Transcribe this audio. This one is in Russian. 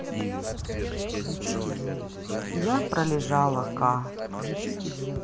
я пролежала ка